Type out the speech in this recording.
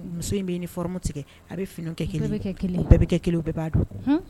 Muso in bɛ niɔrɔ tigɛ a bɛ finikɛ bɛɛ kɛ kelen bɛɛ b'